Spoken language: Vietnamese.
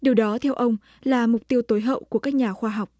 điều đó theo ông là mục tiêu tối hậu của các nhà khoa học